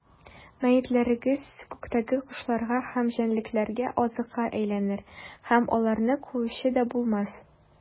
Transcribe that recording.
Мәетләрегез күктәге кошларга һәм җәнлекләргә азыкка әйләнер, һәм аларны куучы да булмас.